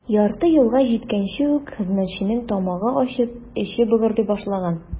Ярты юлга җиткәнче үк хезмәтченең тамагы ачып, эче быгырдый башлаган.